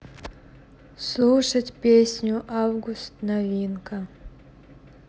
слушать песню август новинка